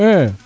ha